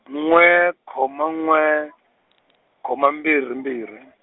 n'we khoma n'we , khoma mbirhi mbirhi.